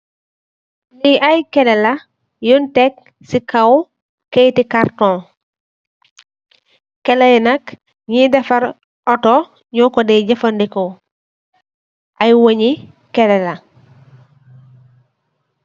Lii ay kélé la, buñge tek si kow kartoñg. Kélé yi nak, ñuy defar Otto ñoo kooy jafëndeko. Ay wééñu kélé la.